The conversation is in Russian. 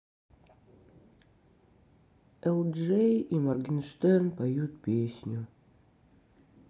элджей и моргенштерн поют песню